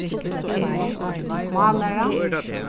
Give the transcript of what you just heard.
mállæra